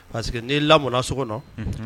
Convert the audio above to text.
Parce que n'i lamɔna so kɔnɔ